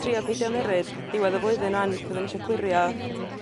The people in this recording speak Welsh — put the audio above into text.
trio peidio ymyrryd diwedd y flwyddyn ŵan fyddwn ni isio clirio